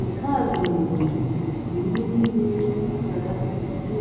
Nke a gụnyere iwu niile gbasara ikike